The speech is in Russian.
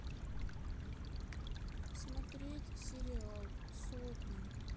смотреть сериал сотня